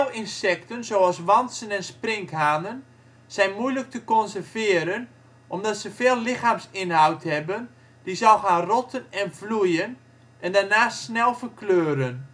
insecten zoals wantsen en sprinkhanen zijn moeilijk te conserveren omdat ze veel lichaamsinhoud hebben die zal gaan rotten en vloeien en daarnaast snel verkleuren